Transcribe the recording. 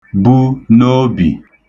bu n’obì